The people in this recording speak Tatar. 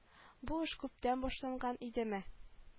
Бу эш күптән башланган идеме